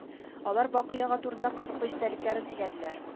Алар бакый ага турында кызыклы истәлекләрен сөйләделәр